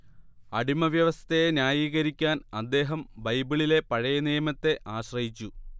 അടിമവ്യവസ്ഥയെ ന്യായീകരിക്കാൻ അദ്ദേഹം ബൈബിളിലെ പഴയനിയമത്തെ ആശ്രയിച്ചു